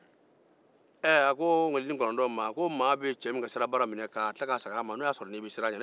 a ko maa bɛ maa ka sirabara minɛ k'a segin a ma n'o y'a sɔrɔ i b siran a ɲɛ